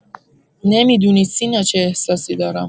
نمی‌دونی سینا چه احساسی دارم.